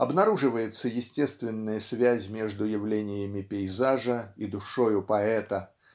обнаруживается естественная связь между явлением пейзажа и душою поэта